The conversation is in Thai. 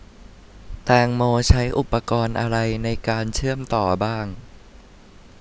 แตงโมใช้อุปกรณ์อะไรในการเชื่อมต่อบ้าง